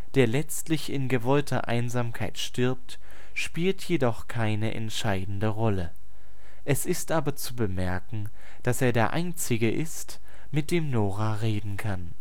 der letztendlich in gewollter Einsamkeit stirbt, spielt jedoch keine entscheidende Rolle. Es ist aber zu bemerken, dass er der Einzige ist, mit dem Nora reden kann